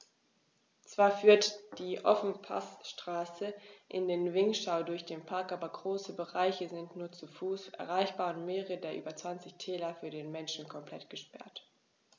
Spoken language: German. Zwar führt die Ofenpassstraße in den Vinschgau durch den Park, aber große Bereiche sind nur zu Fuß erreichbar und mehrere der über 20 Täler für den Menschen komplett gesperrt.